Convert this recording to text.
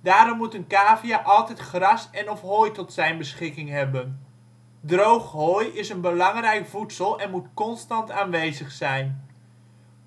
Daarom moet een cavia altijd gras en/of hooi tot zijn beschikking hebben. Droog hooi is een belangrijk voedsel en moet constant aanwezig zijn.